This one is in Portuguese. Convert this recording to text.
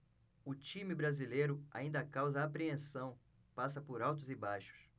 o time brasileiro ainda causa apreensão passa por altos e baixos